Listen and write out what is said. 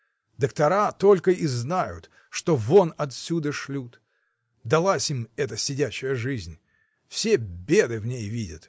Доктора только и знают, что вон отсюда шлют: далась им эта сидячая жизнь — все беды в ней видят!